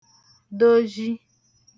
dozhi